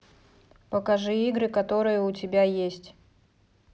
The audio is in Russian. покажи игры которые у тебя есть